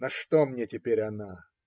на что мне теперь она?